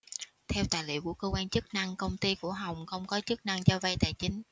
theo tài liệu của cơ quan chức năng công ty của hồng không có chức năng cho vay tài chính